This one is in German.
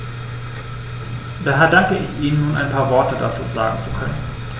Daher danke ich Ihnen, nun ein paar Worte dazu sagen zu können.